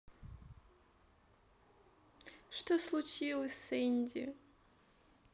что случилось с энди